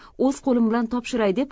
o'z qo'lim bilan topshiray deb